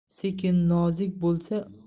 tsekin nodzik bo'tsa